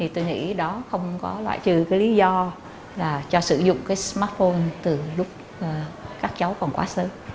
thì tôi nghĩ đó không có loại trừ cái lý do là cho sử dụng cái sờ mát phôn từ lúc các cháu còn quá sớm